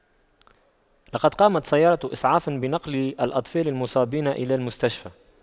لقد قامت سيارة إسعاف بنقل الأطفال المصابين إلى المستشفى